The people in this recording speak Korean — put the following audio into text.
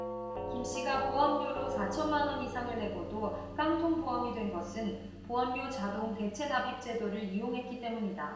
김씨가 보험료로 사천 만원 이상을 내고도 깡통보험이 된 것은 보험료 자동 대체납입제도를 이용했기 때문이다